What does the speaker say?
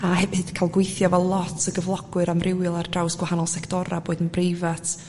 a hefyd ca'l gwithio efo lot o gyflogwyr amrywiol ar draws gwahanol sectora' boed yn breifat